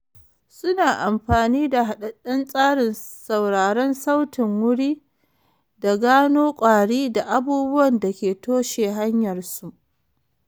Su na amfani da haddaden tsarin sauraren sautin wuri da gano kwari da abubuwan dake toshe hanyar su.